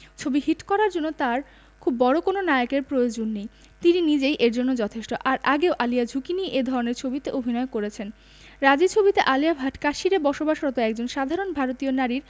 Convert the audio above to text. ছবি হিট করার জন্য তার খুব বড় কোনো নায়কের প্রয়োজন নেই তিনি নিজেই এর জন্য যথেষ্ট আর আগেও আলিয়া ঝুঁকি নিয়ে এ ধরনের ছবিতে অভিনয় করেছেন রাজী ছবিতে আলিয়া ভাট কাশ্মীরে বসবাসরত একজন সাধারন ভারতীয় নারীর